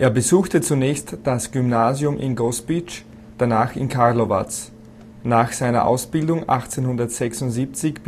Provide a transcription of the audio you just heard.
besuchte zunächst das Gymnasium in Gospic, danach in Karlovac. Nach seiner Ausbildung 1876